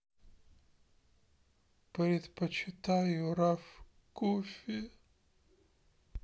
предпочитаю раф кофе